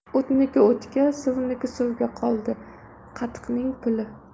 o'tniki o'tga suvniki suvga qoldi qatiqning puli